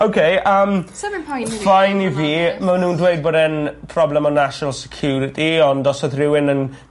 Oce yym.... So fe'n fi poeni fi... fine i fi ma' nw'n dweud bod e'n problem o national security ond os odd rhywun yn